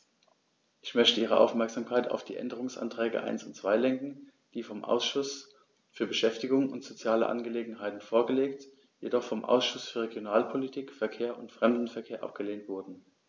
Ich möchte Ihre Aufmerksamkeit auf die Änderungsanträge 1 und 2 lenken, die vom Ausschuss für Beschäftigung und soziale Angelegenheiten vorgelegt, jedoch vom Ausschuss für Regionalpolitik, Verkehr und Fremdenverkehr abgelehnt wurden.